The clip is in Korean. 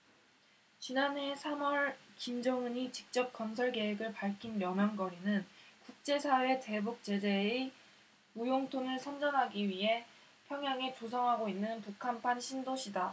지난해 삼 월 김정은이 직접 건설 계획을 밝힌 려명거리는 국제사회 대북 제재의 무용론을 선전하기 위해 평양에 조성하고 있는 북한판 신도시다